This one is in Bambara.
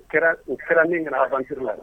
Kɛra u kɛra min na a ban la